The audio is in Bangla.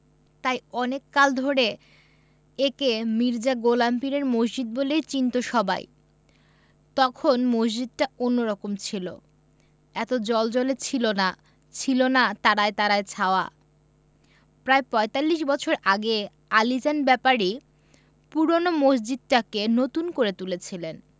তাই অনেক কাল ধরে একে মির্জা গোলাম পীরের মসজিদ বলেই চিনতো সবাই তখন মসজিদটা অন্যরকম ছিল এত জ্বলজ্বলে ছিল না ছিলনা তারায় তারায় ছাওয়া প্রায় পঁয়তাল্লিশ বছর আগে আলীজান ব্যাপারী পূরোনো মসজিদটাকে নতুন করে তুলেছিলেন